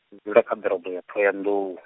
ndi dzula kha ḓorobo ya Ṱhohoyanḓou .